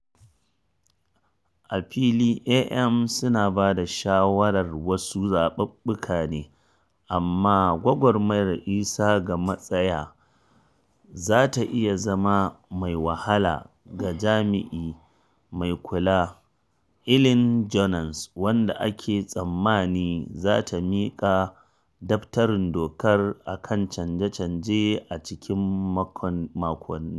A fili AMs suna ba da shawarar wasu zaɓuɓɓuka ne, amma gwagwarmayar isa ga matsaya za ta iya zama mai wahala ga Jami’i Mai Kula, Elin Jones, wanda ake tsammanin za ta miƙa daftarin dokar a kan canje-canje a cikin makonni.